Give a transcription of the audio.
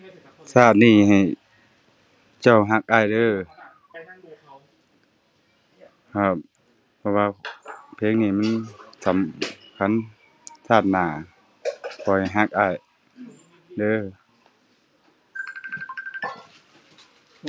ชาตินี้ให้เจ้ารักอ้ายเด้อ ครับ เพราะว่าเพลงนี้มันสำคัญ ชาติหน้าขอให้รักอ้ายเด้อ